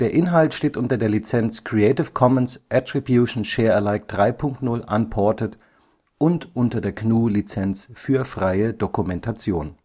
Inhalt steht unter der Lizenz Creative Commons Attribution Share Alike 3 Punkt 0 Unported und unter der GNU Lizenz für freie Dokumentation